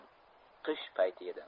qish payti edi